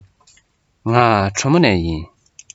ང གྲོ མོ ནས ཡིན